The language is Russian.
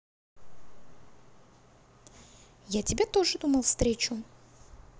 я тебя тоже думал встречу